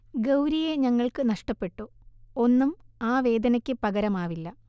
ഗൗരിയെ ഞങ്ങൾക്ക് നഷ്ടപ്പെട്ടു, ഒന്നും ആ വേദനക്ക് പകരമാവില്ല